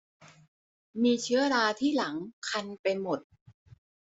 มีเชื้อราที่หลังคันไปหมด